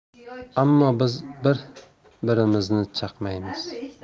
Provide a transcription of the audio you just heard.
ammo biz bir birimizni chaqmaymiz